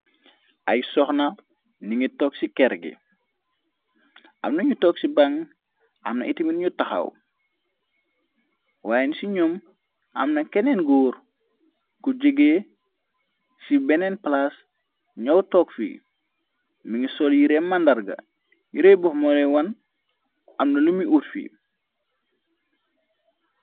ay soxna ni ngi tokg ci ker gi amna ñu tog ci baŋg amna itamir ñu taxaw waayen ci ñoom amna keneen góor ku jégée ci beneen plas ñoow tog fi mi ngi sol yi remmandarga yirey bux moole wan amna lumi uut fi